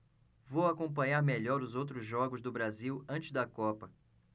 vou acompanhar melhor os outros jogos do brasil antes da copa